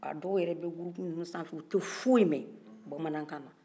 a dɔw yɛrɛ bɛ groupr nunun sanfɛ u tɛ fosi mɛ bamanankan na